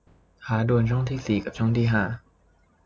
ท้าดวลช่องที่สี่กับช่องที่ห้า